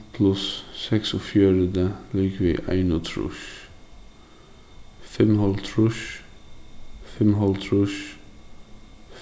pluss seksogfjøruti ligvið einogtrýss fimmoghálvtrýss fimmoghálvtrýss